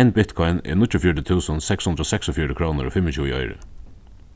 ein bitcoin er níggjuogfjøruti túsund seks hundrað og seksogfjøruti krónur og fimmogtjúgu oyru